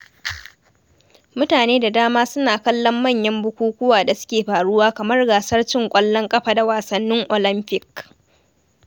Mutane da dama suna kallon manyan bukukuwa da suke faruwa kamar Gasar Cin Ƙwallon Ƙafa da Wasannin Olamfik.